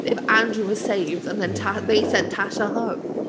if Andrew was saved, and then Ta-... Ie. ...they sent Tasha home.